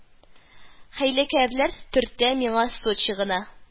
Хәйләкәрләр төртә миңа Сочи гына